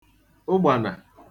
ụgbànà